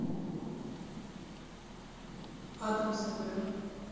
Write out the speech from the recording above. адам сендлер